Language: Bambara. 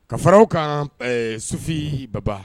Ka far'o kan sufi Baba